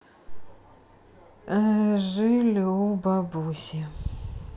э жили у бабуси